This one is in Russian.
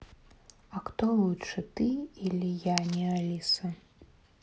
а кто лучше ты или я не алиса